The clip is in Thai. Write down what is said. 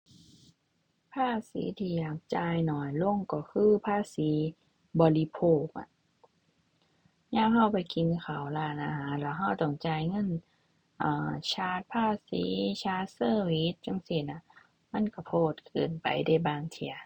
ภาษีที่อยากจ่ายน้อยลงก็คือภาษีบริโภคอะ ยามเราไปกินข้าวร้านอาหารแล้วเราต้องจ่ายเงิน อ่า ชาร์จภาษี ชาร์จเซอร์วิสจั่งซี้นะ มันเราโพดเกินไปเดะบางเที่ย